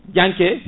Dianke